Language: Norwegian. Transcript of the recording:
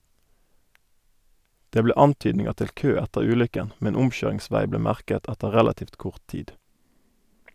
Det ble antydninger til kø etter ulykken, men omkjøringsvei ble merket etter relativt kort tid.